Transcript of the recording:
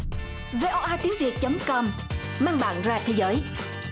vê o a tiếng việt chấm com mang bạn ra thế giới